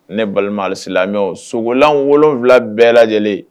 Ne balimasi sogolan wolonwula bɛɛ lajɛlen